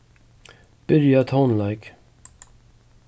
byrja tónleik